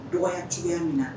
Dɔgɔ tiɲɛya min na